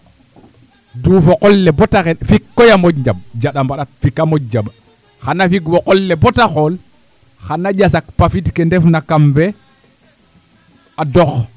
duufo qol le boo ta xet fik koy a moƴ jaɓ fik a moƴ jaɓ xana figwo qol le boo ta xool xana ƴas pafid ke ndefna kam fee a dox